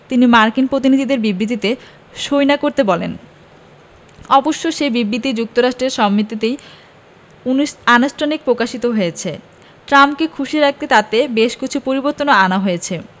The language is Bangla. তিনি মার্কিন প্রতিনিধিদের বিবৃতিতে সই না করতে বলেন অবশ্য সে বিবৃতি যুক্তরাষ্ট্রের সম্মতিতেই আনুষ্ঠানিকভাবে প্রকাশিত হয়েছে ট্রাম্পকে খুশি রাখতে তাতে বেশ কিছু পরিবর্তনও আনা হয়েছে